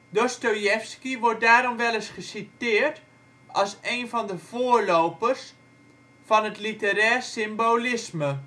Dostojevski wordt daarom wel eens geciteerd als een van de voorlopers van het Literair Symbolisme